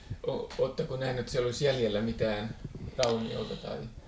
oletteko nähnyt että siellä olisi jäljellä mitään rauniota tai